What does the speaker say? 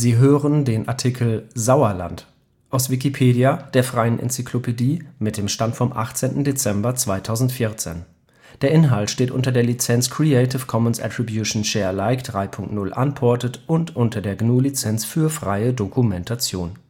hören den Artikel Sauerland, aus Wikipedia, der freien Enzyklopädie. Mit dem Stand vom Der Inhalt steht unter der Lizenz Creative Commons Attribution Share Alike 3 Punkt 0 Unported und unter der GNU Lizenz für freie Dokumentation